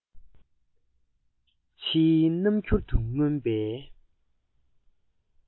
ཕྱིའི རྣམ འགྱུར དུ མངོན པའི